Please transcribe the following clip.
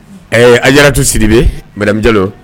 Ɛɛ a diyararatu siribi mdamijalo